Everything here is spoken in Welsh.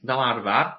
fel arfar.